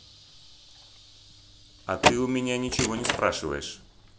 а ты у меня ничего не спрашиваешь